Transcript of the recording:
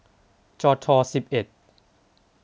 จอทอสิบเอ็ด